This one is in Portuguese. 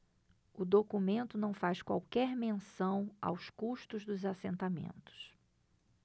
o documento não faz qualquer menção aos custos dos assentamentos